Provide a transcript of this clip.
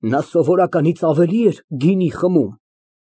Նա սովորականից ավելի էր գինի խմում։